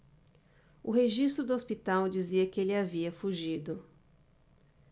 o registro do hospital dizia que ele havia fugido